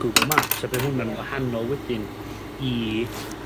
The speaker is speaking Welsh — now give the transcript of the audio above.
Google Maps a by' hwnna'n... Ie. ...wahanol wedyn i